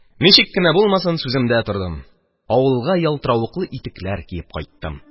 Ничек кенә булмасын, сүземдә тордым, авылга ялтыравыклы итекләр киеп кайттым.